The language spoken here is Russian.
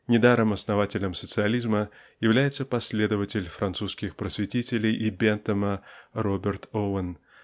Недаром основателем социализма является последователь французских просветителей и Бентама Роберт Оуэн